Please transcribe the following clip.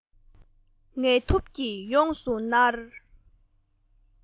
ངལ དུབ ཀྱིས ཡོངས སུ མནར